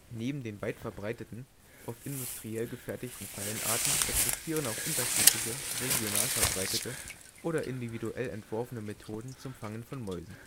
Neben den weit verbreiteten, oft industriell gefertigten Fallenarten existieren auch unterschiedliche regional verbreitete oder individuell entworfene Methoden zum Fangen von Mäusen